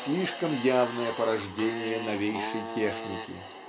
слишком явное порождение новейшей техники